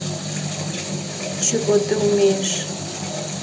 чего ты умеешь